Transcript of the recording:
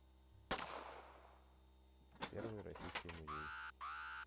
первый российский музей